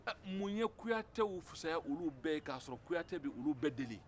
ɛh mun ye kuyatɛw fisaya olu bɛɛ ye kasɔrɔ kuyatɛ b'olu b deli